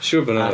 Siwr bod yna...